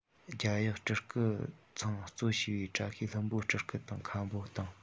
རྒྱ ཡག སྤྲུལ སྐུ ཚང གཙོ བྱས པའི བཀྲ ཤིས ལྷུན པོའི སྤྲུལ སྐུ དང མཁན པོ དང